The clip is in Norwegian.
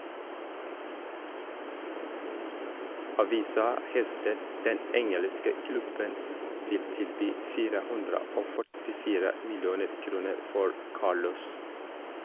Avisa hevder den engelske klubben vil tilby 4 44 millioner kroner for Carlos.